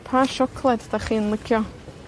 pa siocled 'dach chi'n licio?